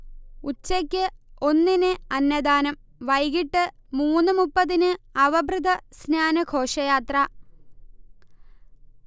ഉച്ചക്ക് ഒന്നിന് അന്നദാനം വൈകീട്ട് മൂന്ന് മുപ്പതിന് അവഭൃഥ സ്നാന ഘോഷയാത്ര